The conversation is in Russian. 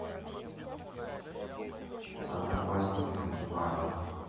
одноклассницы два